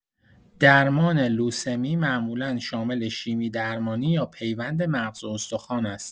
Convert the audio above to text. درمان لوسمی معمولا شامل شیمی‌درمانی یا پیوند مغزاستخوان است.